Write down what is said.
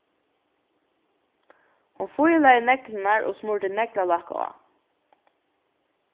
hon fílaði neglirnar og smurdi neglalakk á